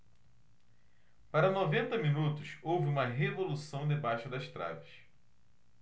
para noventa minutos houve uma revolução debaixo das traves